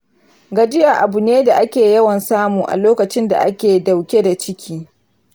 gajiya abu ne da ake yawan samu a lokacin da ake dauke da ciki.